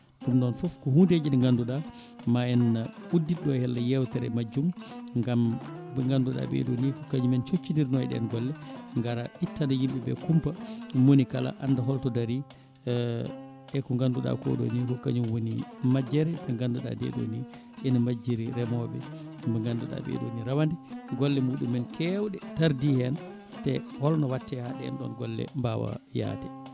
ɗum noon foof ko hundeji ɗi ganduɗa ma en uddidɗo hello yewtere majjum gaam ɓe ganduɗa ɓeeɗo ni ko kañumen coccodirno e ɗen golle gara ittana yimɓe kumpa moni kala anda holto daari e ko ganduɗa ko ɗo ni ko kañum woni majjere nde ganduɗa nde ɗo ni ene majjiri rewoɓe mo ganduɗa ɓeeɗo ni rawade golle muɗumen kewɗe tardi hen te holno watte ha ɗen ɗon golle mbawa yaade